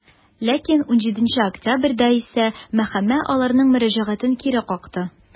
Ләкин 17 октябрьдә исә мәхкәмә аларның мөрәҗәгатен кире какты.